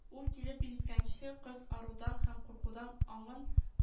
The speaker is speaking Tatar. Ул килеп җиткәнче, кыз арудан һәм куркудан аңын